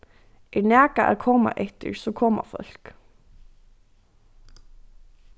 er nakað at koma eftir so koma fólk